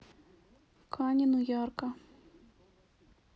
канину ярко